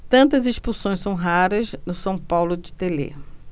tantas expulsões são raras no são paulo de telê